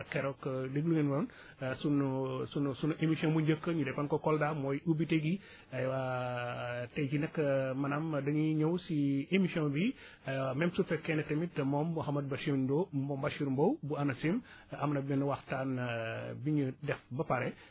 keroog li déglu ngeen woon sunu sunu sunu émission bu njëkk ñu defoon ko Kolda mooy ubbite gi ay waa tay jii nag maanaam dañuy ñëw si émission bi aywa même su fekkee ne tamit moom Mouhamadou Bachir Mbow moom Bachir Mbow bu ANACIM am na benn waxtaan bu ñu def ba pare